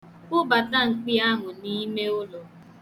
Kpụbata mkpi ahụ n'ime ụlọ.